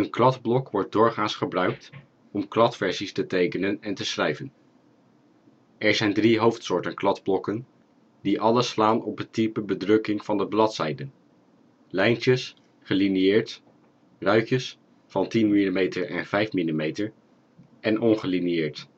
kladblok wordt doorgaans gebruikt om kladversies te tekenen en schrijven. Er zijn drie hoofdsoorten kladblokken, die alle slaan op het type bedrukking van de bladzijden; lijntjes (gelinieerd), ruitjes (10mm en 5mm) en ongelinieerd